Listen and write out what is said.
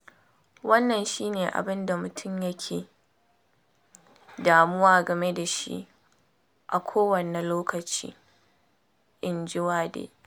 “Wannan shi ne abinda mutum yake damuwa game da shi a kowanne loƙaci,” inji Wade.